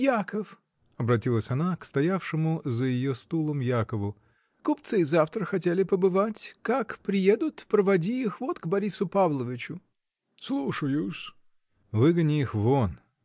Яков, — обратилась она к стоявшему за ее стулом Якову, — купцы завтра хотели побывать: как приедут, проводи их вот к Борису Павловичу. — Слушаю-с. — Выгони их вон!